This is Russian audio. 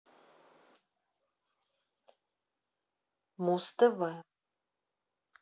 муз тв